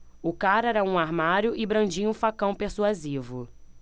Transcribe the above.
o cara era um armário e brandia um facão persuasivo